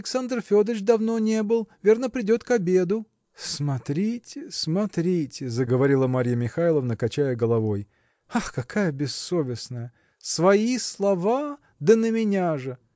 Александр Федорыч давно не был: верно, придет к обеду. – Смотрите, смотрите! – заговорила Марья Михайловна качая головой – ах какая бессовестная! свои слова да на меня же!